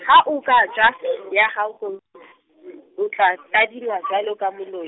ha o ka jaha ya hao ko- , o tla tadingwa jwalo ka moloi.